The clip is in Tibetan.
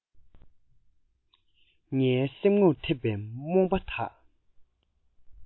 ངའི སེམས ངོར འཐིབས པའི རྨོངས པ དག